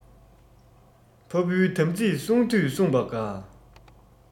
ཕ བུའི དམ ཚིག བསྲུང དུས བསྲུངས པ དགའ